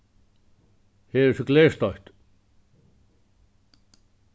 her er so glerstoytt